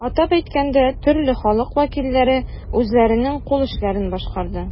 Атап әйткәндә, төрле халык вәкилләре үзләренең кул эшләрен башкарды.